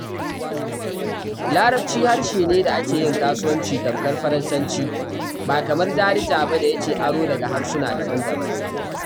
Larabci harshe ne na da ake yin kasuwanci tamkar Faransanci, ba kamar Darija ba da yake aro daga harsuna daban-daban.